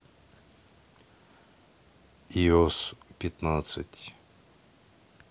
ios пятнадцать